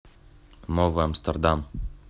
новый амстердам